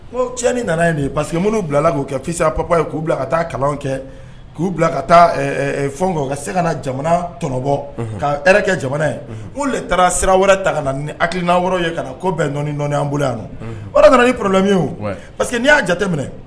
Tiɲɛnani nana yen ye pa que minnu bilala k'o kɛ fisirap ye k'u bila ka taa kalan kɛ k'u bila ka taa fɛn u ka se ka na jamana tɔnɔbɔ ka hɛrɛ kɛ jamana' de taara sira wɛrɛ ta ka na ha hakilikilina wɛrɛ ye ka na ko bɛn dɔnniya bolo yan kana ni porodɔnmi parce que n'i y'a jateminɛ